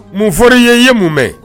Munf ye n ye mun mɛn